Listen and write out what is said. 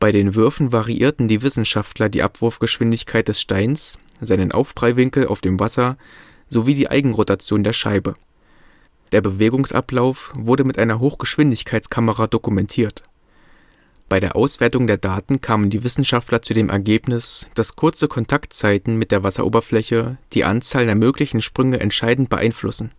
den Würfen variierten die Wissenschaftler die Abwurfgeschwindigkeit des Steins, seinen Aufprallwinkel auf dem Wasser sowie die Eigenrotation der Scheibe. Der Bewegungsablauf wurde mit einer Hochgeschwindigkeitskamera dokumentiert. Bei der Auswertung der Daten kamen die Wissenschaftler zu dem Ergebnis, dass kurze Kontaktzeiten mit der Wasseroberfläche die Anzahl der möglichen Sprünge entscheidend beeinflussen